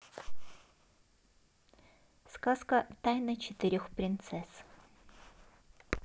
сказка тайна четырех принцесс